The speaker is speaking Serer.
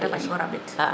a fañ ngo rabid